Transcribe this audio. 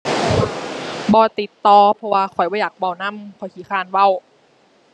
บ่ติดต่อ เพราะว่าข้อยบ่อยากเว้านำ ข้อยขี้คร้านเว้า